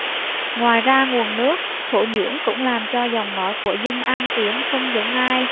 ngoài ra nguồn nước thổ nhưỡng cũng làm cho giọng nói của dân an tiến không giống ai